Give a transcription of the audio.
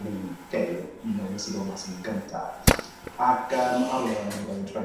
o'n i'n gay you know nes i dod mas i 'i yn gynta, ac yym ar ôl 'wna o'n i'n gweud, reit,